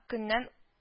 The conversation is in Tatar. Көннән